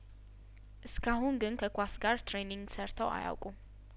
እስካሁን ግን ከኳስ ጋር ትሬ ኒንግ ሰርተው አያውቁም